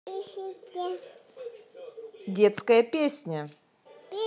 детская песня